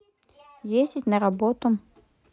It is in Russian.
ездить на работу